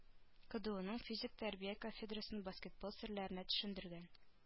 Кдуның физик тәрбия кафедрасын баскетбол серләренә төшендергән